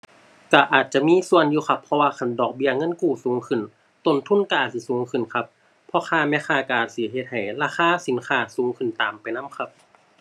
ก็อาจจะมีส่วนอยู่ครับ เพราะว่าคันดอกเบี้ยเงินกู้สูงขึ้น ต้นทุนก็อาจสิสูงขึ้นครับ พ่อค้าแม่ค้าก็อาจสิเฮ็ดให้ราคาสินค้าสูงขึ้นตามไปนำครับ